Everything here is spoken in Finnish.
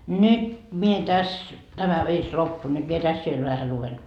nyt minä tässä tämä virsi loppui nyt minä tässä vielä vähän luen